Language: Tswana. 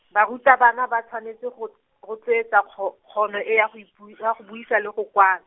barutabana ba tshwanetse go, rotloetsa kg-, kgono e ya go ipui-, ya go buisa le go kwala.